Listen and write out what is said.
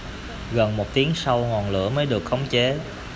gần một tiếng sau ngọn lửa mới được khống chế